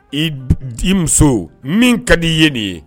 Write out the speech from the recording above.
I i muso min ka di i ye nin ye